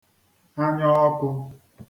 anyaọkū